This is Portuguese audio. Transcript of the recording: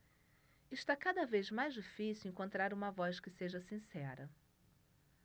está cada vez mais difícil encontrar uma voz que seja sincera